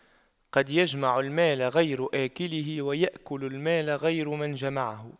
قد يجمع المال غير آكله ويأكل المال غير من جمعه